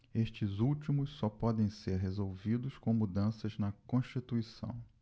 estes últimos só podem ser resolvidos com mudanças na constituição